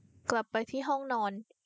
กลับไปที่ห้องนอน